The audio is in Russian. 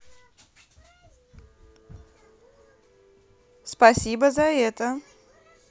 спасибо за это